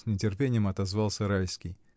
— с нетерпением отозвался Райский.